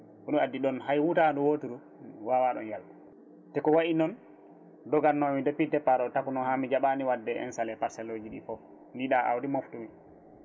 ko ɗum addi ɗon hay wutandu woturu wawa ɗon yaal te ko wayi noon dogannomi depuis départ o takno ha mi jaaɓani wadde installé parcelle uji ɗi foof ndiɗa awdi moftumi